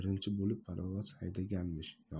birinchi bo'lib parovoz haydaganmish